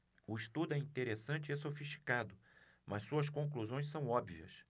o estudo é interessante e sofisticado mas suas conclusões são óbvias